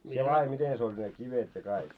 sinä laadi miten se oli ne kivet ja kaikki